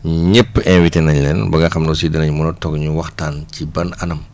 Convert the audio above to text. ñëpp invité nañ leen ba nga xam ne aussi dinañ mën a toog ñu waxtaan ci ban anam